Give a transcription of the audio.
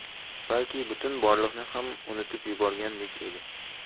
balki butun borliqni ham unutib yuborgandek edi